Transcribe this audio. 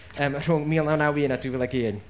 yym rhwng mil naw naw un a dwy fil ac un.